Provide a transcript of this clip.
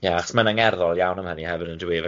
Ie, chos mae'n angerddol iawn am hynny hefyd yn dyw 'i.